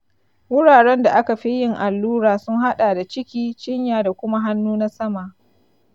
wuraren da aka fi yin allura sun haɗa da ciki, cinya da kuma hannu na sama.